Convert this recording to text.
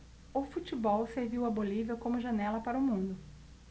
o futebol serviu à bolívia como janela para o mundo